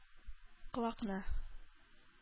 Колакны